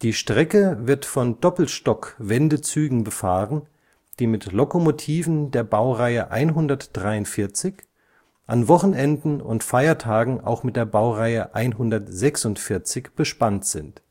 Strecke wird von Doppelstock-Wendezügen befahren, die mit Lokomotiven der Baureihe 143, an Wochenenden und Feiertagen auch mit der Baureihe 146 bespannt sind